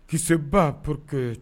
Qui se bat pour que